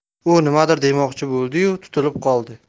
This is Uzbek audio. u nimadir demoqchi bo'ldi yu tutilib qoldi